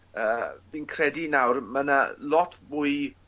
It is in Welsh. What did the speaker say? yy fi'n credu nawr ma' 'na lot fwy